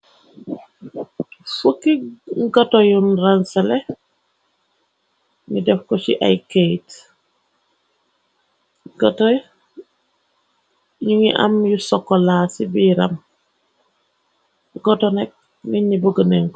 Fooki ngato yun rensele nyu def ko ci ay kayte ngato yi nungi am yu sokola ci biiram ngato nak niti buga nenko.